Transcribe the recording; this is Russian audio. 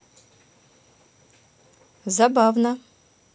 забавно